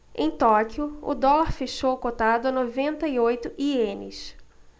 em tóquio o dólar fechou cotado a noventa e oito ienes